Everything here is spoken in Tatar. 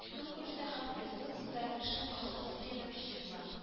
Көнкүрештә һәм производствода кешенең алыштыргысыз ярдәмчесе була